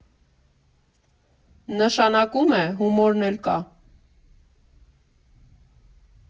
Նշանակում է՝ հումորն էլ կա։